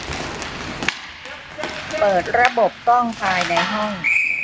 เปิดระบบกล้องภายในห้อง